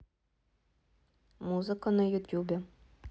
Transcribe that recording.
музыка на ютубе